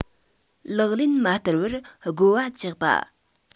ལག ལེན མ བསྟར བར བསྒོ བ བཅག པ